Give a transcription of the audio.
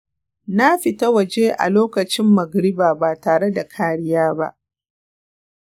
na fita waje a lokacin magariba ba tare da kariya ba.